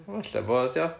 o ella fo ydy o